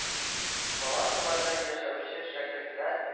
Палаткаларда яшәүче “шәкертләр